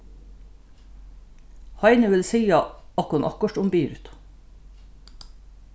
heini vil siga okkum okkurt um biritu